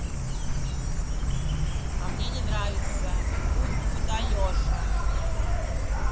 а мне не нравится пусть будет алеша